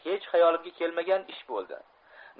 hech hayolimga kelmagan ish bo'ldi